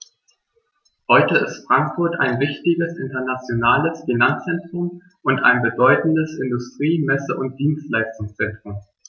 Heute ist Frankfurt ein wichtiges, internationales Finanzzentrum und ein bedeutendes Industrie-, Messe- und Dienstleistungszentrum.